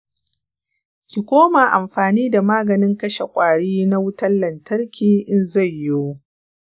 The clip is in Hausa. ki koma amfani da maganin kashe ƙwari na wutan lantarki in zai yiwu.